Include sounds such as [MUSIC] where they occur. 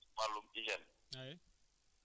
[HESITATION] en matière d' hygène